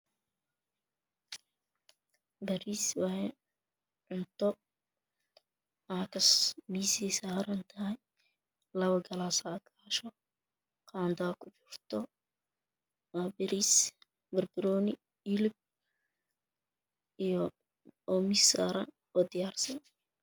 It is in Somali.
Bariis waaye cunto waa taas miisay saaran tahay labo gallaasa fuusho qaandaa ku jirto. Waa bariis ,barbarooni, hilib iyo oo miis saaran oo diyaarsan